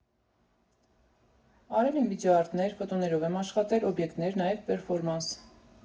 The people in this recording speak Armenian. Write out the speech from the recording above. Արել եմ վիդեոարտեր, ֆոտոներով եմ աշխատել, օբյեկտներ, նաև՝ պերֆորմանս։